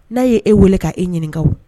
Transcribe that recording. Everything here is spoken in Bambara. N'a y'e e weele ka e ɲininka o